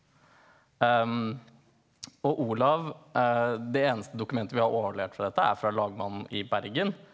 og Olav det eneste dokumentet vi har overlevert fra dette er fra lagmannen i Bergen.